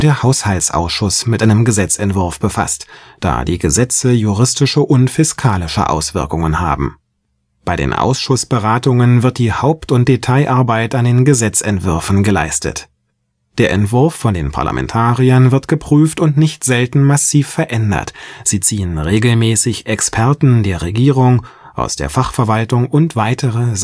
Haushaltsausschuss mit einem Gesetzentwurf befasst, da die Gesetze juristische und fiskalische Auswirkungen haben. Bei den Ausschussberatungen wird die Haupt - und Detailarbeit an den Gesetzentwürfen geleistet. Der Entwurf von den Parlamentariern wird geprüft und nicht selten massiv verändert, sie ziehen regelmäßig Experten der Regierung, aus der Fachverwaltung und weitere